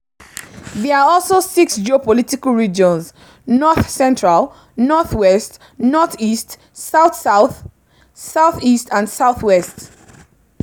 There are also six geopolitical regions: North Central, Northwest, Northeast, South-south, Southeast, and Southwest.